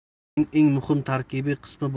uning eng muhim tarkibiy qismi